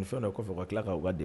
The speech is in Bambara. Ni fɛn' fɔ ka tila ka wa deli